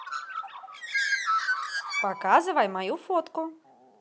показывай мою фотку